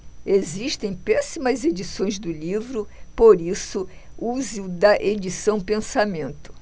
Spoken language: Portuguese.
existem péssimas edições do livro por isso use o da edição pensamento